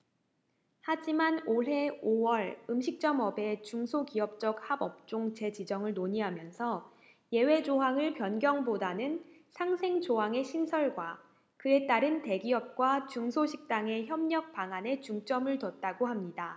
하지만 올해 오 월 음식점업의 중소기업적합업종 재지정을 논의하면서 예외조항을 변경보다는 상생 조항의 신설과 그에 따른 대기업과 중소식당의 협력 방안에 중점을 뒀다고 합니다